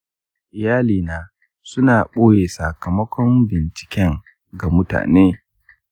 iyalina su na ɓoye sakamakon binciken ga mutane.